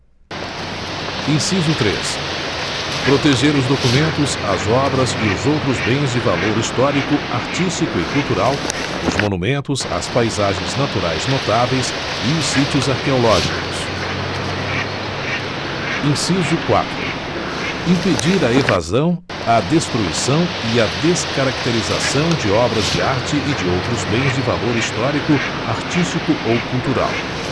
inciso três proteger os documentos as obras e os outros bens de valor histórico artístico e cultural os monumentos as paisagens naturais notáveis e os sítios arqueológicos inciso quatro impedir a evasão a destruição e a descaracterização de obras de arte e de outros bens de valor histórico artístico ou cultural